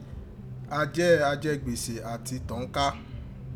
A jẹ ajẹgbèsè ati tàn án ká.